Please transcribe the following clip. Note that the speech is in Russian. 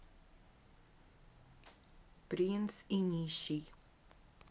принц и нищий